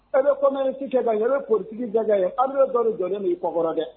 E kɔnsi kɛ ka ye polisi da ye an bɛ dɔ jɔlen min kɔ kɔrɔ dɛ